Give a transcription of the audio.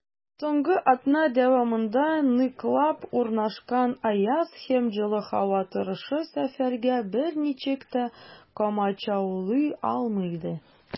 Соңгы атна дәвамында ныклап урнашкан аяз һәм җылы һава торышы сәфәргә берничек тә комачаулый алмый иде.